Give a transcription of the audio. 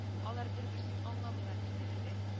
Алар бер-берсен аңламыйлар кебек иде